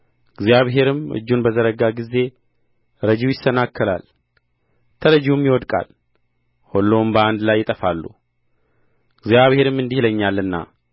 እግዚአብሔርም እጁን በዘረጋ ጊዜ ረጂው ይሰናከላል ተረጂውም ይወድቃል ሁሉም በአንድ ላይ ይጠፋሉ እግዚአብሔርም እንዲህ ይለኛልና